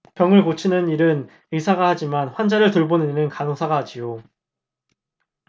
병을 고치는 일은 의사가 하지만 환자를 돌보는 일은 간호사가 하지요